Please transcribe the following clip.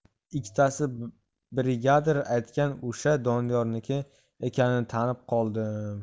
ikkitasi brigadir aytgan o'sha doniyorniki ekanini tanib qoldim